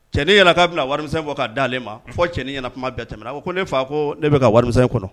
Cɛnin yɛlɛ k' bɛna wari fɔ ka' dalenlen ma fɔ cɛnin ɲɛna kuma bila tɛmɛɛna ko ne fa ne bɛ ka wariya kɔnɔ